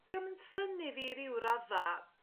Dio'm yn synnu fi i ryw radda'